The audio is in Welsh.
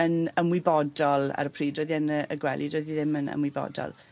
yn ymwybodol ar y pryd roedd 'i yn yy y gwely doedd 'i ddim yn ymwybodol.